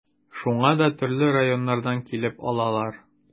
Шуңа да төрле районнардан килеп алалар.